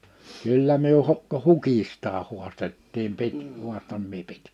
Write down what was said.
kyllä me - hukistakin haastettiin - haastoin minä -